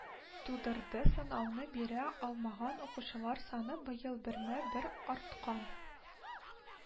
Тудырды – сынауны бирә алмаган укучылар саны быел бермә-бер арткан